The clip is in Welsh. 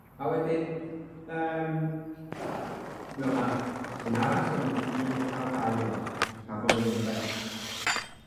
A wedyn yym mi o' 'na un arall yn un wyth naw dau ond cadd hwnnw ddim yn bell.